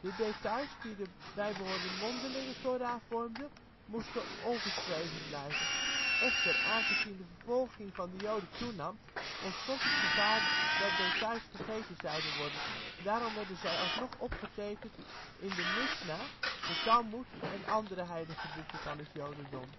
De details, die de bijbehorende ' Mondelinge Thora ' vormden, moesten ongeschreven blijven. Echter, aangezien de vervolging van de joden toenam, ontstond het gevaar dat details vergeten zouden worden. Daarom werden zij alsnog opgetekend in de Misjna, de Talmoed, en andere heilige boeken van het jodendom